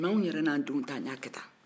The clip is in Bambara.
mɛ anw yɛrɛ n'an denw ta an y'a kɛ tan